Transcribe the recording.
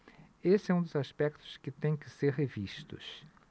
esse é um dos aspectos que têm que ser revistos